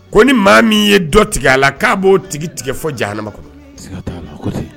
Ko ni maa min ye dɔ tigɛ a la k'a b'o tigi tigɛ fo jahanama kɔnɔ, siga t'a la